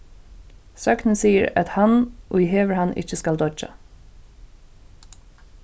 søgnin sigur at hann ið hevur hann ikki skal doyggja